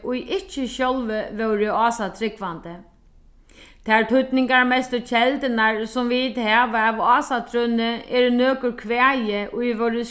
ið ikki sjálv vóru ásatrúgvandi tær týdningarmestu keldurnar sum vit hava av ásatrúnni eru nøkur kvæði ið vórðu